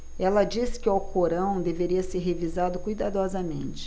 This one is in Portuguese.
ela disse que o alcorão deveria ser revisado cuidadosamente